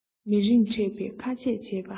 མི རིང ཕྲད པའི ཁ ཆད བྱས པ